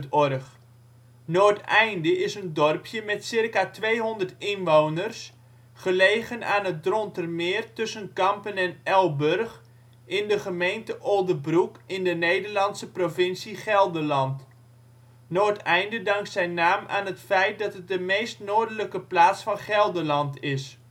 OL Noordeinde. Het voormalige stoomgemaal in Noordeinde met schaatsers. Noordeinde is een dorpje met circa 200 inwoners, gelegen aan het Drontermeer tussen Kampen en Elburg, in de gemeente Oldebroek in de Nederlandse provincie Gelderland. Noordeinde dankt zijn naam aan het feit dat het de meest noordelijke plaats van Gelderland is